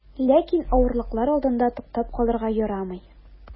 Ләкин авырлыклар алдында туктап калырга ярамый.